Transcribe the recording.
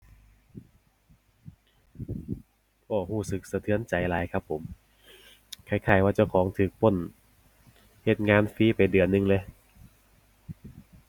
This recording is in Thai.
ก็รู้สึกสะเทือนใจหลายครับผม คล้ายคล้ายว่าเจ้าของรู้ปล้น เฮ็ดงานฟรีไปเดือนหนึ่งเลย